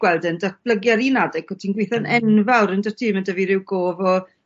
gweld e'n datblygu. Ar un adeg o' ti'n gweitho'n enfawr on'd o't ti. Ma' 'da fi ryw gof o